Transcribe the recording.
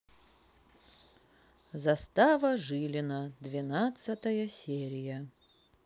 застава жилина двенадцатая серия